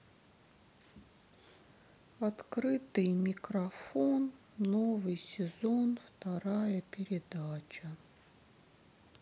открытый микрофон новый сезон вторая передача